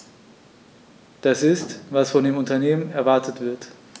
Das ist, was von den Unternehmen erwartet wird.